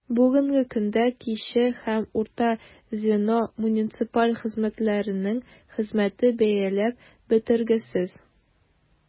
Бүгенге көндә кече һәм урта звено муниципаль хезмәткәрләренең хезмәте бәяләп бетергесез.